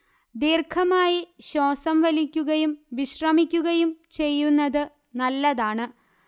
ദീർഘമായി ശ്വാസം വലിക്കുകയും വിശ്രമിക്കുകയും ചെയ്യുന്നത് നല്ലതാണ്